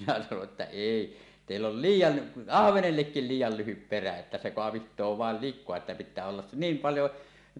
minä sanoin että ei teillä on liian ahvenellekin liian lyhyt perä että se kaapii vain likaa että pitää olla - niin paljon